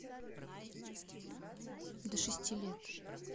до шести лет